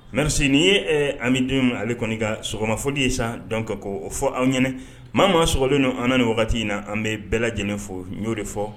Meri n' ye an bɛ denw ale kɔni ka sɔgɔma fɔli ye san dɔn ka ko o fɔ aw ɲ maa maa slen don an ni wagati in na an bɛ bɛɛ lajɛlen fɔ y'o de fɔ